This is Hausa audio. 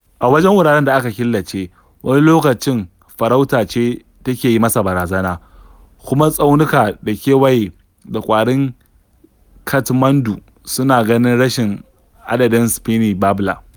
A wajen wuraren da aka killace, wani lokacin farauta ce take yi masa barazana, kuma tsaunukan da ke kewaye da kwarin Kathmandu suna ganin rashin adadin Spiny Babbler.